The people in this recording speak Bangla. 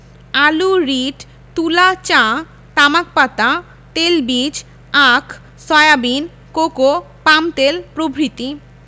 আলু রীট তুলা চা তামাক পাতা তেলবীজ আখ সয়াবিন কোকো পামতেল প্রভৃতি